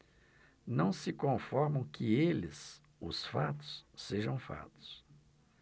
não se conformam que eles os fatos sejam fatos